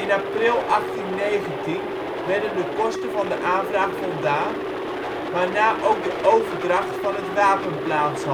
april 1819 werden de kosten van de aanvraag voldaan, waarna ook de overdracht van het wapen plaats